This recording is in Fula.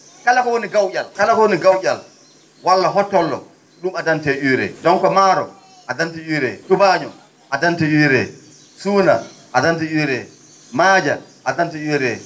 kala ko woni gaw?al kala ko woni gaw?al walla hottollo ?um addante UREE donc maaro addante UREE tubaañoo addante UREE suuna addante UREE maaja addante UREE